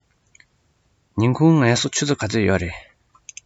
ཉིན གུང ངལ གསོ ཆུ ཚོད ག ཚོད ཡོད རས